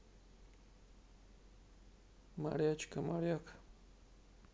морячка моряк